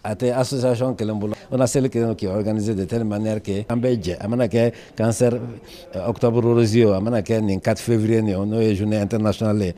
A tɛ association 1 bolo ONASELI kɛ ɔn k'i organisé de telle manière que an bɛ jɛ a mana kɛ cancer e octobre rose ye o a mana kɛ nin 04 février nin ye o n'o ye journée internationale ye